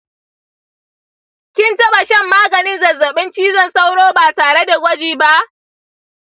kin taɓa shan maganin zazzabin cizon sauro ba tare da gwaji ba?